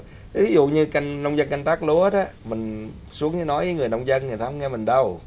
thí dụ như canh nông dân canh tác lúa đó mình xuống dưới nói với người nông dân người ta không nghe mình đâu